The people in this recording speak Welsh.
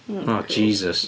O Jesus!